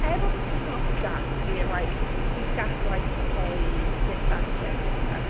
Everyone's kicking off at Jaques, being like "He's gaslighting Paige." This, that, and the other.